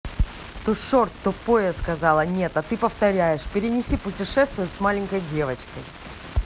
too short тупой я сказала нет а ты повторяешь перенеси путешествует с маленькой девочкой